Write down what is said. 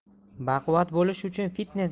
baquvvat bo'lish uchun fitness